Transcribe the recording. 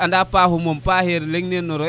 anda paxu moom paxer o leŋ nena roya